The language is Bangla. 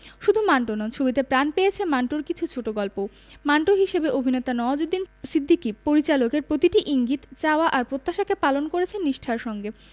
শুধু মান্টো নন ছবিতে প্রাণ পেয়েছে মান্টোর কিছু ছোটগল্পও মান্টো হিসেবে অভিনেতা নওয়াজুদ্দিন সিদ্দিকী পরিচালকের প্রতিটি ইঙ্গিত চাওয়া আর প্রত্যাশাকে পালন করেছেন নিষ্ঠার সঙ্গে